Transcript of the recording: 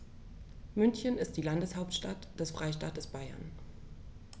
München ist die Landeshauptstadt des Freistaates Bayern.